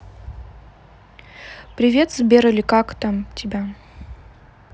привет сбер или как там тебя